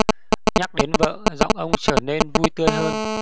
nhắc đến vợ giọng ông trở nên vui tươi hơn